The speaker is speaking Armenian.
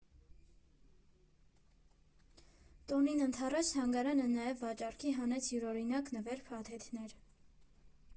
Տոնին ընդառաջ թանգարանը նաև վաճառքի հանեց յուրօրինակ նվեր֊փաթեթներ.